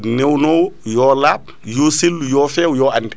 newnowo yo laabe yo sellu yo few yo ande